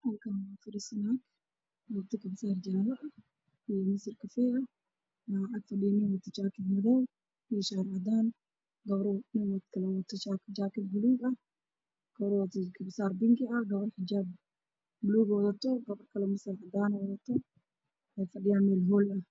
Halkaan waxaa fadhiso naag wadato garbasaar jaale ah iyo masar kafay ah, waxaa ag fadhiyo nin wato shaar cadaan ah iyo jaakad madow ah, gabarna waxay wadataa jaakad buluug ah, gabar wadato garbasaar bingi Iyo mid xijaab madow wadato iyo masar cadaan waxay fadhiyaan meel hool ah.